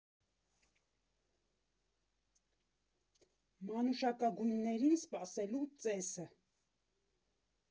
Մանուշակագույններին սպասելու ծեսը։